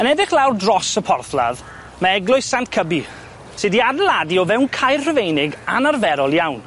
Yn edrych lawr dros y porthladd, ma' Eglwys Sant Cybi, sy' 'di adeiladu o fewn caer Rhufeinig anarferol iawn.